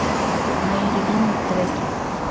мои любимые треки